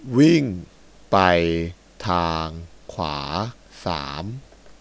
วิ่งไปทางขวาสาม